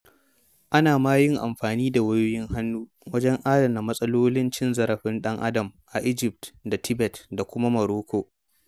Ana ma yin amfani da wayoyin hannu wajen adana mas'alolin cin zarafin ɗan-adam a Egypt da Tibet da kuma Morocco.